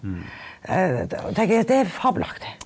og tenker jeg det er fabelaktig.